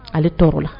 Ale t oo la